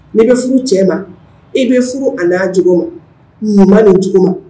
N'i be furu cɛ ma i be furu a n'a jogo ma ɲuman nin juguman